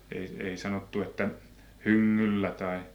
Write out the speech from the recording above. ei ei sanottu että hyngyllä tai